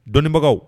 Dɔnibagaw